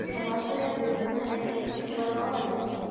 Шуңа күрә безнең хәрәкәт игътибарга лаек.